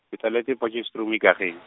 ke tsaletswe Potchefstroom Ikageng.